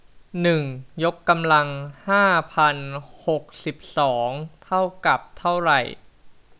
หนึ่งยกกำลังห้าพันหกสิบสองเท่ากับเท่าไร